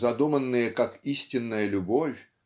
задуманные как истинная любовь